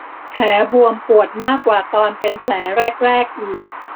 แผลบวมปวดมากกว่าตอนเป็นแผลแรกแรกอีก